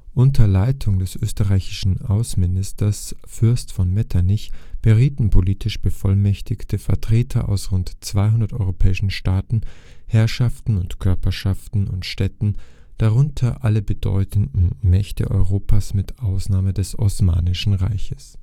Unter der Leitung des österreichischen Außenministers Fürst von Metternich berieten politisch bevollmächtigte Vertreter aus rund 200 europäischen Staaten, Herrschaften, Körperschaften und Städten, darunter alle bedeutenden Mächte Europas mit Ausnahme des Osmanischen Reiches